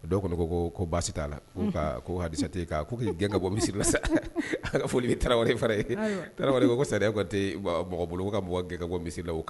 Dɔw kɔni ko ko ko baasi t'a la ko hate' k k'i gɛn ka bɔ misi la sa a ka folili tarawele fara ye tarawele ko sariya ka mɔgɔ bolo ka bɔ gɛngɛ bɔ misila